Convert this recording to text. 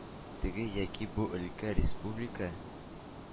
Теге яки бу өлкә, республика,